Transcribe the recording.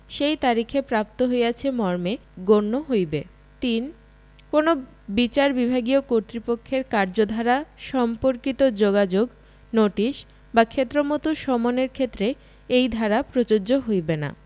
সেই তারিখে প্রাপ্ত হইয়াছে মর্মে গণ্য হইবে ৩ কোন বিচার বিভাগীয় কর্তৃপক্ষের কার্যধারা সম্পর্কিত যোগাযোগ নোটিশ বা ক্ষেত্রমত সমনের ক্ষেত্রে এই ধারা প্রযোজ্য হইবে না